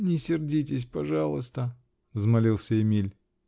-- Не сердитесь, пожалуйста, -- взмолился Эмиль.